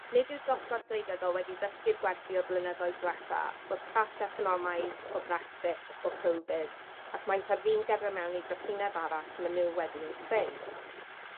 Nid yw'r dosbarth gwleidyddol wedi dysgu'r gwersi o'r blynyddoedd diwetha o'r crash economaidd, o Brexit, o Covid ac maent ar fin gerdded mewn i drychineb arall ma' nw wedi i'w chreu.